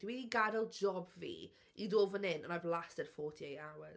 Dwi 'di gadael job fi i ddod fan hyn and I've lasted 48 hours.